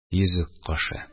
Йөзек кашы